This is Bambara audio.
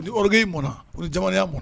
Uki'i mɔn u jamanaya mɔn